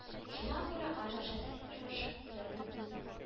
Шуңа күрә аның шәхси тормышы күпләрнең күзен